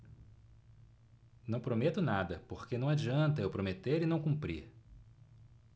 não prometo nada porque não adianta eu prometer e não cumprir